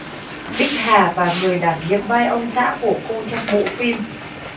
bích hà và người đảm nhiệm vai ông xã của cô trong bộ phim